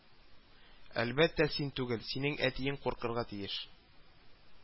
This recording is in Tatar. Әлбәттә, син түгел, синең әтиең куркырга тиеш